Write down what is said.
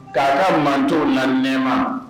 K'a ka manto na nɛ ma